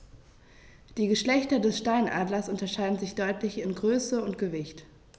Die Geschlechter des Steinadlers unterscheiden sich deutlich in Größe und Gewicht.